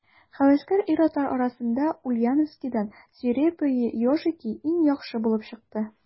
Һәвәскәр ир-атлар арасында Ульяновскидан «Свирепые ежики» иң яхшы булып чыкты.